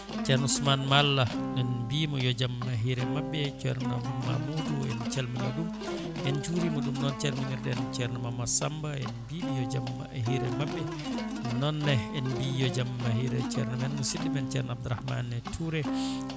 ceerno Ousmane Maal min mbiimo yo jaam hiire mabɓe ceerno Abou Mamoudou en calmini ɗum en jurima ɗum noon calminiɗen ceerno Mamadou Samba en mbiɓe yo jaam hiire mabɓe noonne en mbi yo jaam hiire ceerno men musidɗo men ceerno Abdourahmane Toure